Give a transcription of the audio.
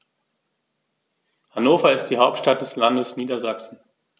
Hannover ist die Hauptstadt des Landes Niedersachsen.